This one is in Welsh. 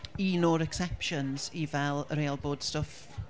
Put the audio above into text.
un o'r exceptions i fel y reol bod stwff...